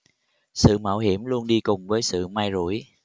sự mạo hiểm luôn đi cùng với sự may rủi